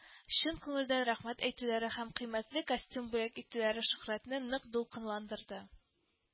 Чын күңелдән рәхмәт әйтүләре һәм кыйммәтле костюм бүләк итүләре шөһрәтне нык дулкынландырды